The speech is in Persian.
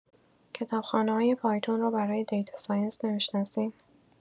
کتابخانه‌های پایتون رو برای دیتا ساینس نمی‌شناسید؟